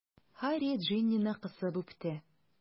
Һарри Джиннины кысып үпте.